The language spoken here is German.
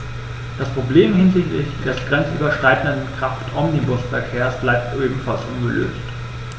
Das Problem hinsichtlich des grenzüberschreitenden Kraftomnibusverkehrs bleibt ebenfalls ungelöst.